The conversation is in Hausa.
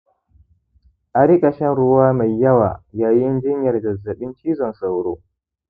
a rika shan ruwa mai yawa yayin jinyar zazzaɓin cizon sauro